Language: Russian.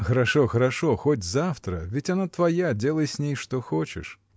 — Хорошо, хорошо, хоть завтра, ведь она твоя, делай с ней, что хочешь.